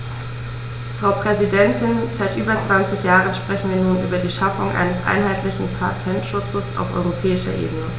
Frau Präsidentin, seit über 20 Jahren sprechen wir nun über die Schaffung eines einheitlichen Patentschutzes auf europäischer Ebene.